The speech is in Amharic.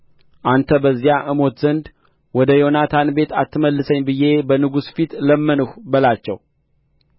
አንተ በዚያ እሞት ዘንድ ወደ ዮናታን ቤት አትመልሰኝ ብዬ በንጉሡ ፊት ለመንሁ በላቸው